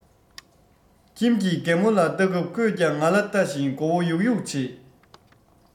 ཁྱིམ གྱི རྒད པོ ལ ལྟ སྐབས ཁོས ཀྱང ང ལ ལྟ བཞིན མགོ བོ གཡུག གཡུག བྱེད